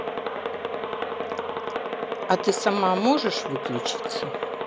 а ты сама можешь выключиться